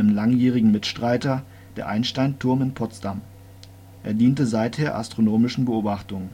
langjährigen Mitstreiter, der Einstein-Turm in Potsdam. Er diente seither astronomischen Beobachtungen